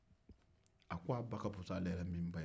a ko a ba ka fisa n'ale yɛrɛ min ba ye